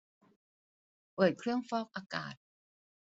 เปิดเครื่องฟอกอากาศ